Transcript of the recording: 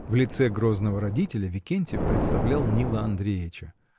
В лице грозного родителя Викентьев представлял Нила Андреича.